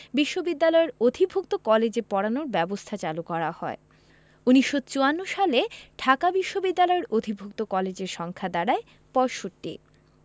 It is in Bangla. বিশ্ববিদ্যালয়ের অধিভুক্ত কলেজে পড়ানোর ব্যবস্থা চালু করা হয় ১৯৫৪ সালে ঢাকা বিশ্ববিদ্যালয়ের অধিভুক্ত কলেজের সংখ্যা দাঁড়ায় ৬৫